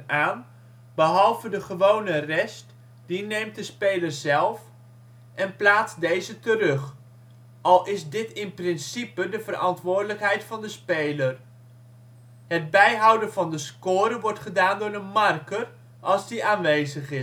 aan (behalve de gewone rest, die neemt de speler zelf) en plaatst deze terug, al is dit in principe de verantwoordelijkheid van de speler. Het bijhouden van de score wordt gedaan door de marker, als die aanwezig is